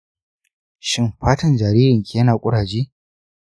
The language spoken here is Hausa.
shin fatan jaririnki yana kuraje?